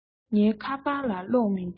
ངའི ཁ པར ལ གློག མིན འདུག